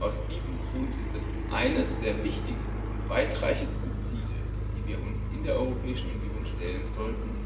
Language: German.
Aus diesem Grund ist es eines der wichtigsten und weitreichendsten Ziele, die wir uns in der Europäischen Union stellen sollten,